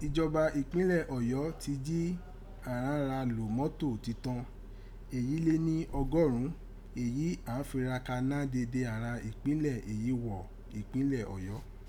Ijọba ipinlẹ Oyọ ti jí àghan ra lò mátò titọn èyí lé ni ọgọrun èyí án fi ra ka ná dede àghan ipinlẹ èyí wọ̀ ipinlẹ Ọyọ.